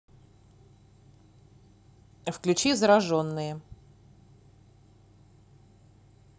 включи зараженные